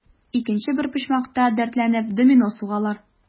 Икенче бер почмакта, дәртләнеп, домино сугалар.